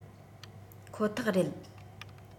ཁོ ཐག རེད